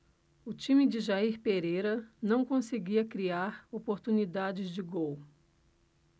o time de jair pereira não conseguia criar oportunidades de gol